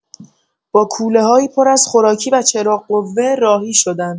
با کوله‌هایی پر از خوراکی و چراغ‌قوه، راهی شدند.